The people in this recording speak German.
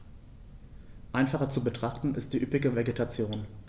Einfacher zu betrachten ist die üppige Vegetation.